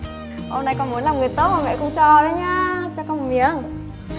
hôm nay con muốn làm người tốt mà mẹ không cho đấy nhá cho con miếng